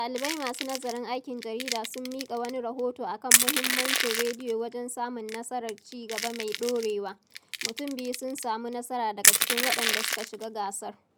ɗalibai masu nazarin aikin jarida sun miƙa wani rahoto a kan muhimmancin rediyo wajen samun nasarar ci-gaba mai ɗorewa. Mutum biyu sun samu nasara daga cikin waɗanda suka shiga gasar.